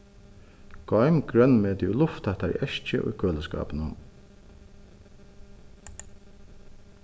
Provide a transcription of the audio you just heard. goym grønmeti í lufttættari eskju í køliskápinum